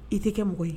I tɛ kɛ mɔgɔ ye